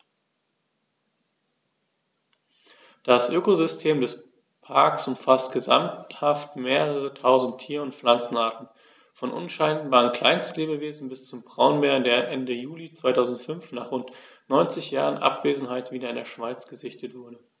Das Ökosystem des Parks umfasst gesamthaft mehrere tausend Tier- und Pflanzenarten, von unscheinbaren Kleinstlebewesen bis zum Braunbär, der Ende Juli 2005, nach rund 90 Jahren Abwesenheit, wieder in der Schweiz gesichtet wurde.